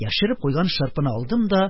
Яшереп куйган шырпыны алдым да,